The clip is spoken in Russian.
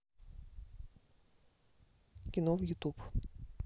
кино в ютуб